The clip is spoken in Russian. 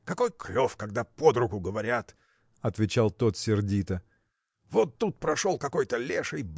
– Какой клев, когда под руку говорят, – отвечал тот сердито. – Вот тут прошел какой-то леший